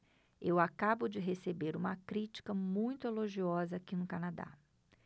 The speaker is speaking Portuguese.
eu acabo de receber uma crítica muito elogiosa aqui no canadá